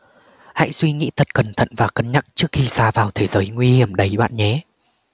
hãy suy nghĩ thật cẩn thận và cân nhắc trước khi sa vào thế giới nguy hiểm ấy bạn nhé